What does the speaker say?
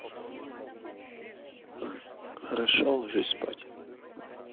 хорошо ложись спать